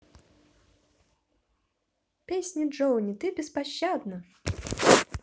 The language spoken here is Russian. песни jony ты беспощадна